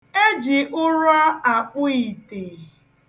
E ji ụrọ akpụ ite.